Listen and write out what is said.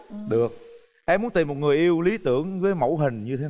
được em muốn tìm một người yêu lý tưởng với mẫu hình như thế